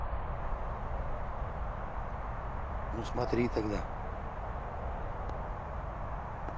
ну смотри тогда